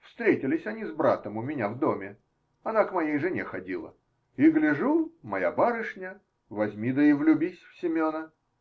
Встретились они с братом у меня в доме -- она к моей жене ходила -- и, гляжу, моя барышня возьми да и влюбись в Семена.